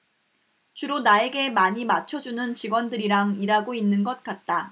주로 나에게 많이 맞춰주는 직원들이랑 일하고 있는 것 같다